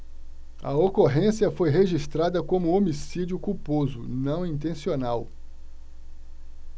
a ocorrência foi registrada como homicídio culposo não intencional